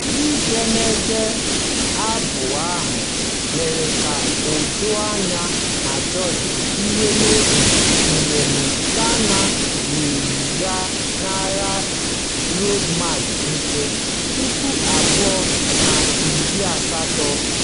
Edemede abụ ahụ mere ka o doo anya na George bu iwe n'obi mgbe Montano meriri ya n'agha Road March nke 2018